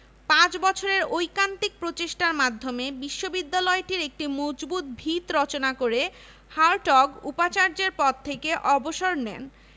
Nathan committee বিশ্ববিদ্যালয়ের জন্য বাৎসরিক ব্যয় ১৩ লক্ষ টাকা নির্ধারণ করলেও বাংলার শিক্ষামন্ত্রী স্যার প্রভাস মিত্র এর থেকে পাঁচ লক্ষ টাকা কমিয়ে দেন